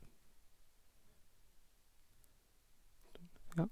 Ja.